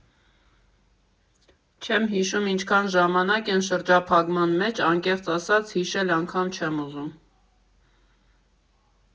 Չեմ հիշում՝ ինչքան ժամանակ են շրջափակման մեջ, անկեղծ ասած՝ հիշել անգամ չեմ ուզում…